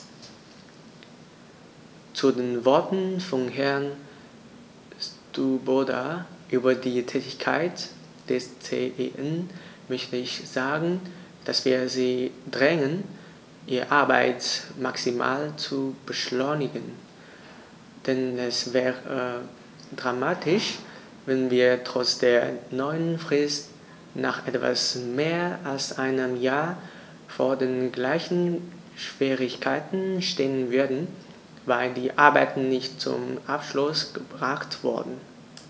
Zu den Worten von Herrn Swoboda über die Tätigkeit des CEN möchte ich sagen, dass wir sie drängen, ihre Arbeit maximal zu beschleunigen, denn es wäre dramatisch, wenn wir trotz der neuen Frist nach etwas mehr als einem Jahr vor den gleichen Schwierigkeiten stehen würden, weil die Arbeiten nicht zum Abschluss gebracht wurden.